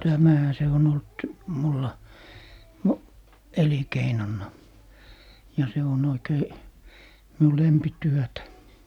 tämähän se on ollut minulla - elinkeinona ja se on oikein minun lempityötä